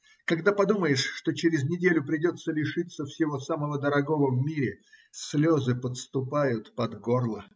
Когда подумаешь, что через неделю придется лишиться всего самого дорогого в мире, слезы подступают под горло.